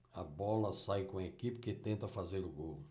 a bola sai com a equipe que tenta fazer o gol